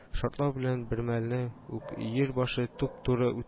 Шартлау белән бермәлне үк Өер башы туп-туры